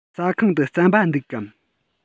ཟ ཁང དུ རྩམ པ འདུག གམ